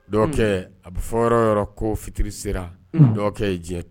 Dɔɔkɛ, a bɛ fɔ yɔrɔ yɔrɔ ko fitiri sera, dɔɔkɛ ye diɲɛ to.